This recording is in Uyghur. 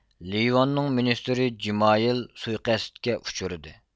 لىۋاننىڭ مىنىستىرى جېمايېل سۇيىقەستكە ئۇچرىدى